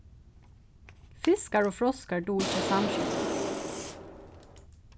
fiskar og froskar duga ikki at samskifta